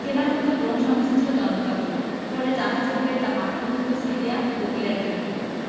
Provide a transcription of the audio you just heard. কেনা হতো ড্রোন সংশ্লিষ্ট যন্ত্রপাতিও পরে জাহাজে করে তা পাঠানো হতো সিরিয়া ও ইরাকে